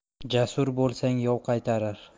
jasur bo'lsang yov qaytar